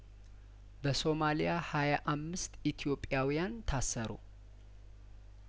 በሶማሊያ ሀያ አምስት ኢትዮጵያውያን ታሰሩ